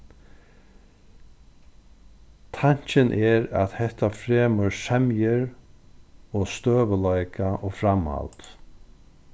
tankin er at hetta fremur semjur og støðugleika og framhald